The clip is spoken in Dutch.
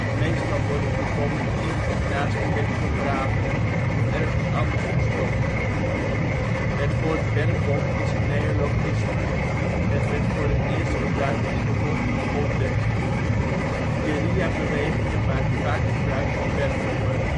Meestal worden de bommen in of naast de weg begraven of ergens anders verstopt. Het woord ' bermbom ' is een neologisme. Het werd voor het eerst gebruikt in de volgende context: " Guerrillabewegingen maken vaak gebruik van bermbommen